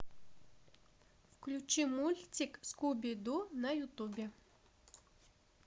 включи мультик скуби ду на ютуб